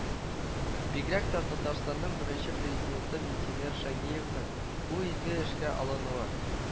Бигрәк тә Татарстанның беренче Президенты Минтимер Шәймиевның бу изге эшкә алынуы